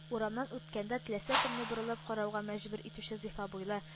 Урамнан үпкәндә теләсә кемне борылып карауга мәҗбүр итүче зифа буйлы